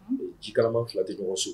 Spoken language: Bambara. Jikan ma fila tɛ ɲɔgɔn so